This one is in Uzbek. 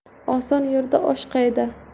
oson yerda osh qayda